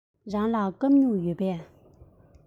རང ལ སྐམ སྨྱུག ཡོད པས